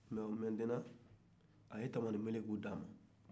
maintenant a ye tamanin meleku d'a ma